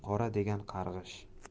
qora degan qarg'ish